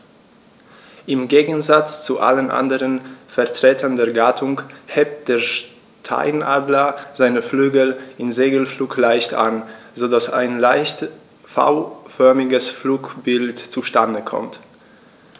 Im Gegensatz zu allen anderen Vertretern der Gattung hebt der Steinadler seine Flügel im Segelflug leicht an, so dass ein leicht V-förmiges Flugbild zustande kommt.